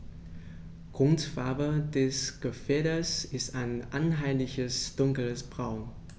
Grundfarbe des Gefieders ist ein einheitliches dunkles Braun.